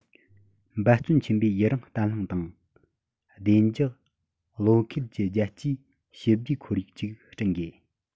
འབད བརྩོན ཆེན པོས ཡུན རིང བརྟན ལྷིང དང བདེ འཇགས བློས འཁེལ གྱི རྒྱལ སྤྱིའི ཞི བདེའི ཁོར ཡུག ཅིག བསྐྲུན དགོས